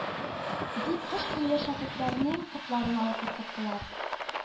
Дип кыш буе шәкертләрнең котларын алып куркыттылар.